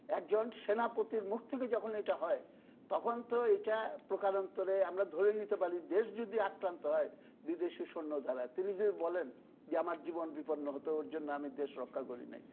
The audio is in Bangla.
একজন সেনাপতির মুখ থেকে যখন এটা হয় তখন যেটা প্রকারান্তরে আমরা ধরেই নিতে পারি দেশ যদি আক্রান্ত হয় বিদেশি সৈন্য দ্বারা তিনি যদি বলেন আমার জীবন বিপন্ন হত ওর জন্য আমি দেশ রক্ষা করি নাই